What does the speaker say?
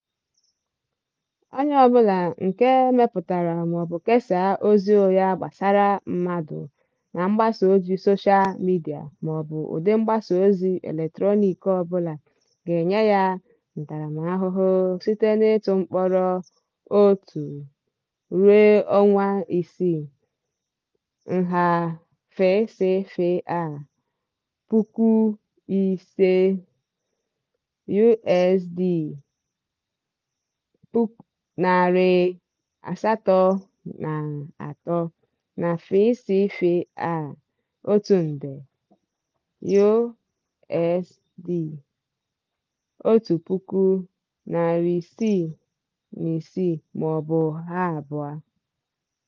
Onye ọ bụla nke mepụtara maọbụ kesaa ozi ụgha gbasara mmadụ na mgbasaozi soshal midịa maọbụ ụdị mgbasaozi eletrọniik ọbụla a ga-enye ya ntaramahụhụ site n'ịtụ mkpọrọ otu (01) ruo ọnwa isii (06), nha FCFA 500,000 (USD 803) na FCFA 1,000,000 (USD 1,606), maọbụ ha abụọ.